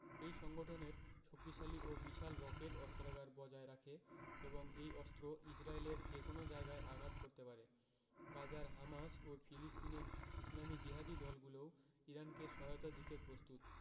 এই সংগঠনের শক্তিশালী ও বিশাল রকেট অস্ত্রাগার বজায় রাখে এবং এই অস্ত্র ইসরায়েলের যেকোনো জায়গায় আঘাত করতে পারে গাজার হামাস ও ফিলিস্তিনের ইসলামি জিহাদি দলগুলোও ইরানকে সহায়তা দিতে প্রস্তুত